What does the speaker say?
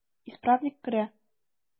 Исправник керә.